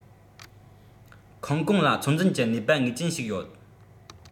ཁང གོང ལ ཚོད འཛིན གྱི ནུས པ ངེས ཅན ཞིག ཡོད